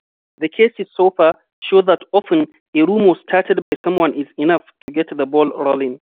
The cases so far show that often a rumor started by someone is enough to get the ball rolling.